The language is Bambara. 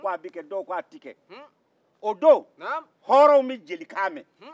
o don hɔrɔnw bɛ jelikan mɛn